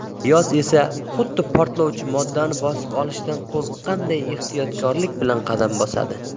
niyoz esa xuddi portlovchi moddani bosib olishdan qo'rqqanday ehtiyotlik bilan qadam bosadi